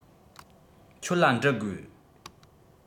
ཁྱོད ལ འདྲི དགོས